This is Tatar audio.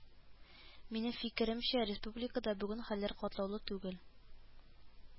Минем фикеремчә, республикада бүген хәлләр катлаулы түгел